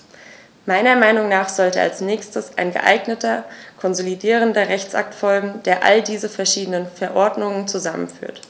Meiner Meinung nach sollte als nächstes ein geeigneter konsolidierender Rechtsakt folgen, der all diese verschiedenen Verordnungen zusammenführt.